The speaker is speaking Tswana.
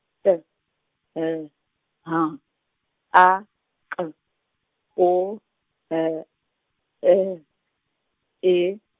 T, L, H, A, K, O, L, L, E.